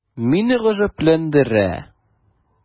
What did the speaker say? Мине гаҗәпләндерә: